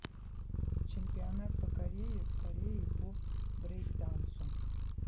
чемпионат по корее в корее по брейкдансу